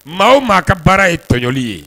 Maa maa ka baara ye tɔjɔli ye